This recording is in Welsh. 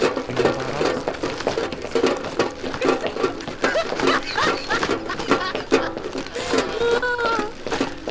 Beirniaid yn barod? Caewch y drysau.